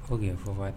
Ko fɔ